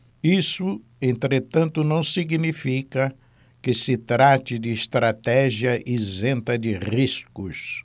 isso entretanto não significa que se trate de estratégia isenta de riscos